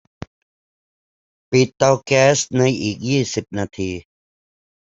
ปิดเตาแก๊สในอีกยี่สิบนาที